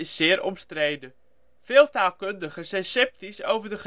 zeer omstreden; veel taalkundigen zijn sceptisch over